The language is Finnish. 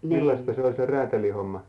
millaista se oli se räätälin homma